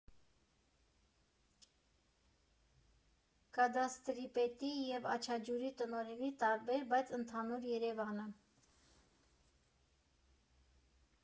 Կադաստրի պետի և «Աչաջուրի» տնօրենի տարբեր, բայց ընդհանուր Երևանը։